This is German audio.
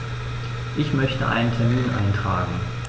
Ich möchte einen Termin eintragen.